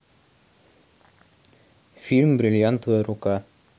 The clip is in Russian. фильм бриллиантовая рука